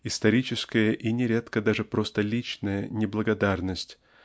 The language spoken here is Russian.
историческая и нередко даже просто личная неблагодарность